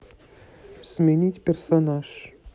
сменить персонаж